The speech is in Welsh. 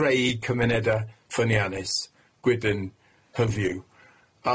Creu cymuneda ffyniannus gwydn, hyfyw.